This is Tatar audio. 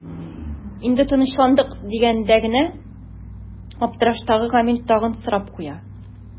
Инде тынычландык кына дигәндә аптыраштагы Гамил тагын сорап куя.